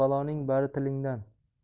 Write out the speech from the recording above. baloning bari tilingdan